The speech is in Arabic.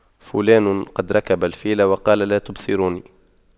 فلان قد ركب الفيل وقال لا تبصروني